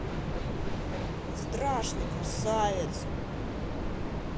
страшный красавец